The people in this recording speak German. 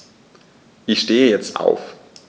Ich stehe jetzt auf.